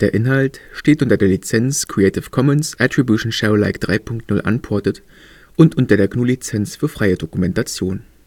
Inhalt steht unter der Lizenz Creative Commons Attribution Share Alike 3 Punkt 0 Unported und unter der GNU Lizenz für freie Dokumentation